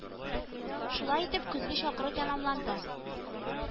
Шулай итеп, көзге чакыру тәмамланды